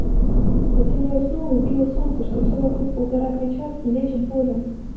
затем я уснул и увидел солнце что все вокруг полтора кричат и лечат болен